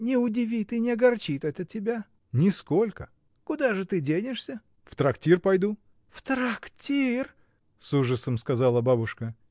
— Не удивит и не огорчит это тебя? — Нисколько. — Куда же ты денешься? — В трактир пойду. — В трактир! — с ужасом сказала бабушка.